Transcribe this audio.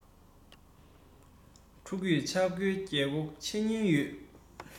ཕྲུ གུས ཆག སྒོའི རྒྱལ སྒོ ཕྱེ ཉེན ཡོད